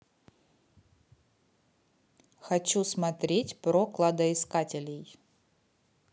хочу смотреть про кладоискателей